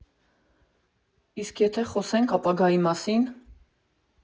Իսկ եթե խոսենք ապագայի մասի՞ն։